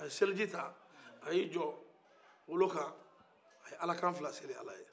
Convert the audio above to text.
a ye salijita a ye a jɔ golo kan a ye araka fila seli ala ye